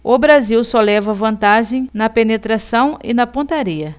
o brasil só leva vantagem na penetração e na pontaria